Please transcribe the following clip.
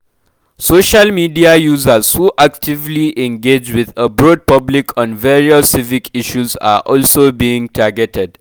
Social media users who actively engage with a broad public on various civic issues are also being targeted.